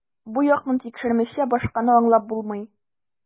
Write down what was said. Бу якны тикшермичә, башканы аңлап булмый.